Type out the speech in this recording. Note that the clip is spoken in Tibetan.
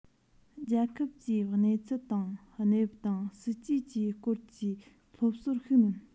རྒྱལ ཁབ ཀྱི གནས ཚུལ དང གནས བབ དང སྲིད ཇུས བཅས སྐོར གྱི སློབ གསོར ཤུགས སྣོན